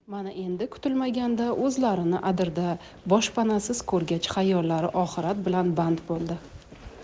mana endi kutilmaganda o'zlarini adirda boshpanasiz ko'rgach xayollari oxirat bilan band bo'ldi